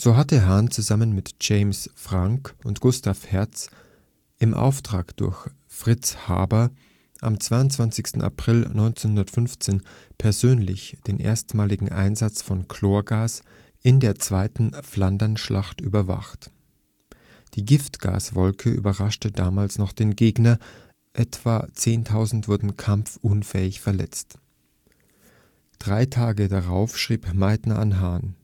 hatte Hahn zusammen mit James Franck und Gustav Hertz im Auftrag durch Fritz Haber am 22. April 1915 persönlich den erstmaligen Einsatz von Chlorgas in der Zweiten Flandernschlacht überwacht. Die Giftgaswolke überraschte damals noch den Gegner, etwa 5000 Soldaten starben und weitere etwa 10.000 wurden kampfunfähig verletzt. Drei Tage darauf schrieb Meitner an Hahn